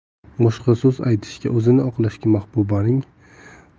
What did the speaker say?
boshqa so'z aytishga o'zini oqlashga